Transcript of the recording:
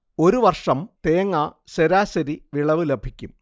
ഒരു വർഷം തേങ്ങ ശരാശരി വിളവ് ലഭിക്കും